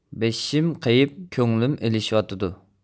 بېشىم قېيىپ كۆڭلۈم ئېلىشىۋاتدۇ